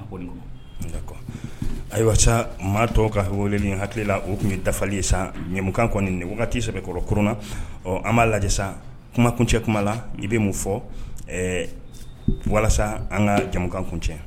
Nka ayiwa maatɔ ka wele hakilila o tun ye dafali ye san ɲakan kɔni wagati sabakɔrɔ k ɔ an b'a lajɛsa kumakun cɛ kuma la i bɛ mun fɔ walasa an ka jamukan kun cɛ